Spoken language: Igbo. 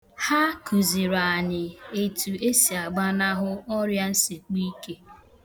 Ha kụziri anyị etu e si agbanaghụ ọrịansekpọike.